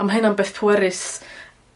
A ma' hynna'n beth pwerus.